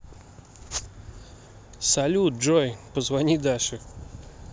салют джой позвони даше